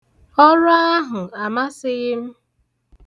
Ọrụ ahụ amasịghị m.